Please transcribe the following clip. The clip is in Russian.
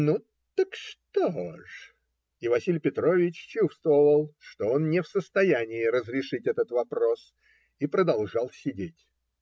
"Ну, так что ж?" И Василий Петрович чувствовал, что он не в состоянии разрешить этого вопроса, и продолжал сидеть.